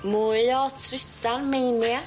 Mwy o Trystan mania.